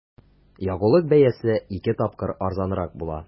Ягулык бәясе ике тапкыр арзанрак була.